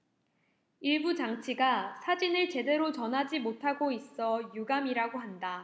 일부 장치가 사진을 제대로 전하지 못하고 있어 유감이라고 한다